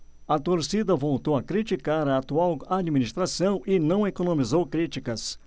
a torcida voltou a criticar a atual administração e não economizou críticas